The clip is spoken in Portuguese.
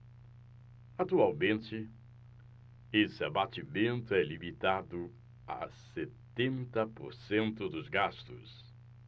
atualmente esse abatimento é limitado a setenta por cento dos gastos